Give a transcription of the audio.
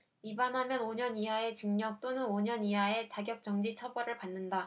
위반하면 오 년 이하의 징역 또는 오 년 이하의 자격정지 처벌을 받는다